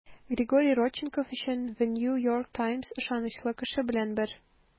Григорий Родченков өчен The New York Times ышанычлы кеше белән бер.